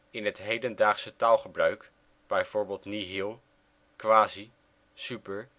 in het hedendaagse taalgebruik, bijvoorbeeld nihil, quasi, super